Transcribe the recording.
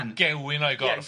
yn gewyn o'i gorff.